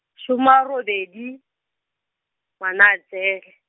soma a robedi, Ngwanatsele.